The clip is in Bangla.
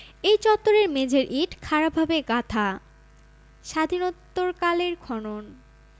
এই চত্বরের মেঝের ইট খাড়া ভাবে গাঁথা স্বাধীনত্তরকালের খনন